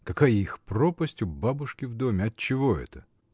Какая их пропасть у бабушки в доме: отчего это?